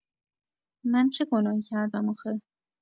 من چه گناهی کردم آخه؟